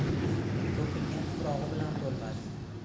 to'kilgan tuprog'i bilan to'lmas